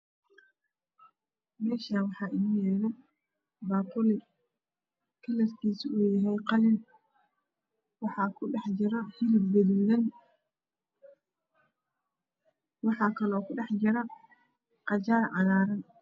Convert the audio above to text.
Meeshan waxaa inooyaalo baquli midabkiisu uu yahay qalin waxaa ku dhexjiro hilib gaduudan waxaa kaloo ku dhexjiro qajaar cagaaran